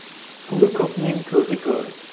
puli ko'pning ko'zi ko'r